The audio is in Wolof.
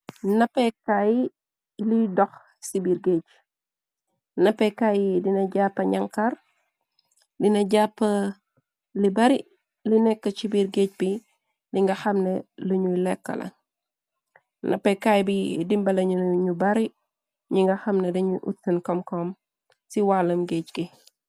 Nappekaay li ndoc ci birr geej gi nappekaayi dina jàpp nyangkar di na japa li bari li nekk ci biir géej bi di nga xamne luñuy lekka la nappekaay bi dimbalañuna ñu bari ñi nga xamne dañuy utsen komkoom ci wàllam géej gi.